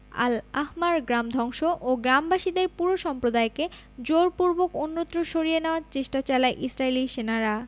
আল Ahmar গ্রাম ধ্বংস ও গ্রামবাসীদের পুরো সম্প্রদায়কে জোরপূর্বক অন্যত্র সরিয়ে নেয়ার চেষ্টা চালায় ইসরাইলি সেনারা